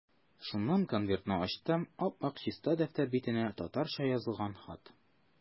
Шуннан конвертны ачтым, ап-ак чиста дәфтәр битенә татарча язылган хат.